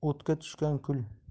bo'lar o'tga tushgan kul